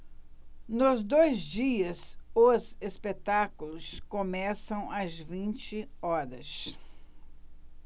nos dois dias os espetáculos começam às vinte horas